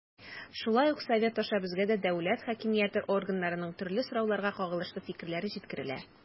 Шулай ук Совет аша безгә дә дәүләт хакимияте органнарының төрле сорауларга кагылышлы фикерләре җиткерелә.